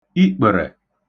ikpere